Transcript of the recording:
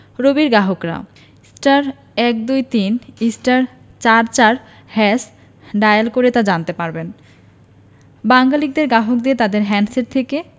রবির গ্রাহকরা *১২৩*৪৪# ডায়াল করে তা জানতে পারবেন বাংলালিংকের গ্রাহকরা তাদের হ্যান্ডসেট থেকে